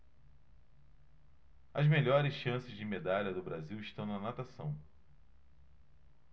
as melhores chances de medalha do brasil estão na natação